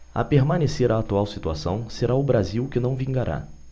a permanecer a atual situação será o brasil que não vingará